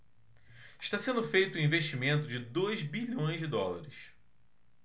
está sendo feito um investimento de dois bilhões de dólares